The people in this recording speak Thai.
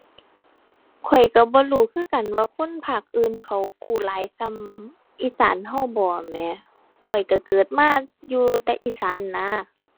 ข้อยก็บ่รู้คือกันว่าคนภาคอื่นเขากู้หลายส่ำอีสานก็บ่แหม ข้อยก็เกิดมาอยู่แต่อีสานนะ